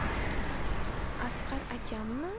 asqar akammi